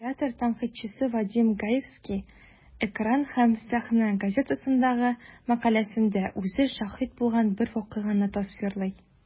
Театр тәнкыйтьчесе Вадим Гаевский "Экран һәм сәхнә" газетасындагы мәкаләсендә үзе шаһит булган бер вакыйганы тасвирлый.